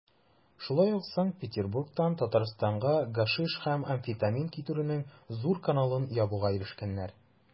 Шулай ук Санкт-Петербургтан Татарстанга гашиш һәм амфетамин китерүнең зур каналын ябуга ирешкәннәр.